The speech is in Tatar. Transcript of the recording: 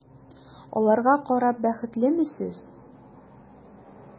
Аларга карап бәхетлеме сез?